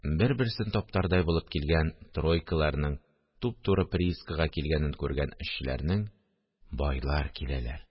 Бер-берсен таптардай булып килгән тройкаларның туп-туры приискага килгәнен күргән эшчеләрнең: – Байлар киләләр